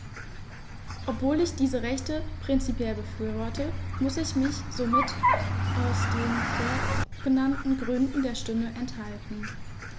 Obwohl ich diese Rechte prinzipiell befürworte, musste ich mich somit aus den vorgenannten Gründen der Stimme enthalten.